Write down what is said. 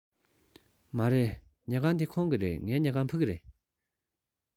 མ རེད ཉལ ཁང འདི ཁོང གི རེད ངའི ཉལ ཁང ཕ གི རེད